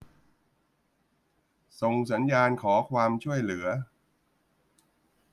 ส่งสัญญาณขอความช่วยเหลือ